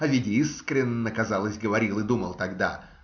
А ведь искренно, казалось, говорил и думал тогда.